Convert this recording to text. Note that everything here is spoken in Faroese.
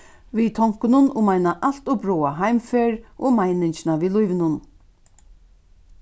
við tonkunum um eina alt ov bráða heimferð og meiningina við lívinum